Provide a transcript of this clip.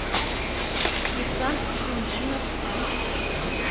Кирсан Илюмжинов һәм